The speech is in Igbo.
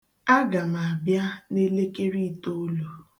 Aga m abịa n'elekere itolu.